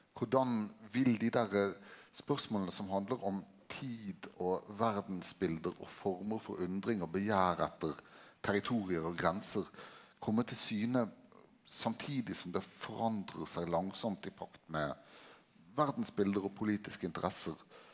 kordan vil dei derre spørsmåla som handlar om tid og verdsbilde og former for undring og begjæret etter territorium og grenser komme til syne samtidig som det forandrar seg langsamt i pakt med verdsbilde og politiske interesser.